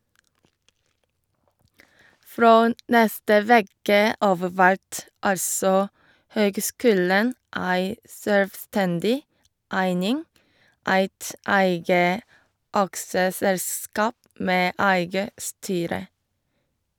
Frå neste veke av vert altså høgskulen ei sjølvstendig eining, eit eige aksjeselskap med eige styre.